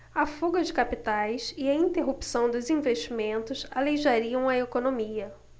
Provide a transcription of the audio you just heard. a fuga de capitais e a interrupção dos investimentos aleijariam a economia